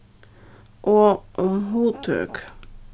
og um hugtøk